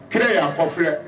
Kɛlɛ y' a kɔf filɛ